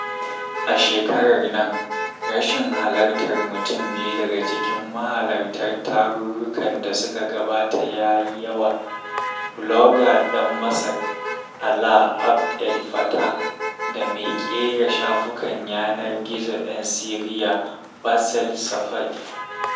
A shekarar nan, rashin halartar mutum biyu daga cikin mahalarta tarurrukan da suka gabata ya yi yawa: Blogger ɗan Masar, Alaa Abd El Fattah, da mai ƙera shafukan yanar gizo ɗan Siriya, Bassel Safadi.